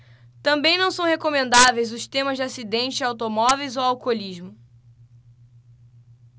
também não são recomendáveis os temas de acidentes de automóveis ou alcoolismo